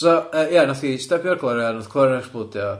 So yy ia nath hi stepio ar y glorian, nath clorian ecsblodio.